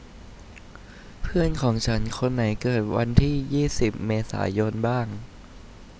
เพื่อนของฉันคนไหนเกิดวันที่ยี่สิบเมษายนบ้าง